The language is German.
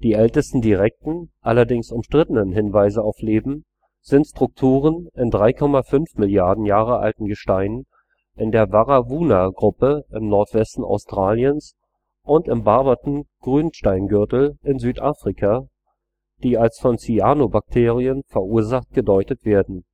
ältesten direkten, allerdings umstrittenen Hinweise auf Leben sind Strukturen in 3,5 Milliarden Jahre alten Gesteinen der Warrawoona-Gruppe im Nordwesten Australiens und im Barberton-Grünsteingürtel in Südafrika, die als von Cyanobakterien verursacht gedeutet werden